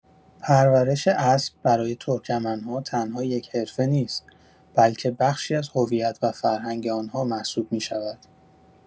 پرورش اسب برای ترکمن‌ها تنها یک حرفه نیست، بلکه بخشی از هویت و فرهنگ آن‌ها محسوب می‌شود.